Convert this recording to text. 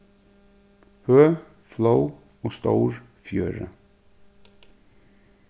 høg flóð og stór fjøra